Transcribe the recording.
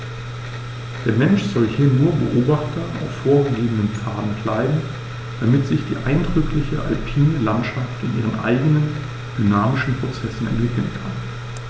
Der Mensch soll hier nur Beobachter auf vorgegebenen Pfaden bleiben, damit sich die eindrückliche alpine Landschaft in ihren eigenen dynamischen Prozessen entwickeln kann.